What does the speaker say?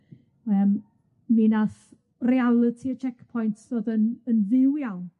yym, mi nath realiti y checkpoint ddod yn yn fyw iawn.